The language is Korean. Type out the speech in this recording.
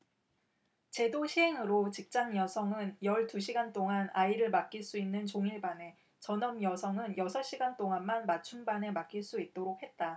제도 시행으로 직장여성은 열 두 시간 동안 아이를 맡길 수 있는 종일반에 전업여성은 여섯 시간 동안만 맞춤반에 맡길 수 있도록 했다